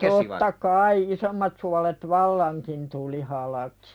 totta kai isommat suolet vallankin tuli halki